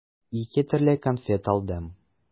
Ике төрле конфет алдым.